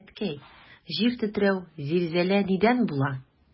Әткәй, җир тетрәү, зилзилә нидән була?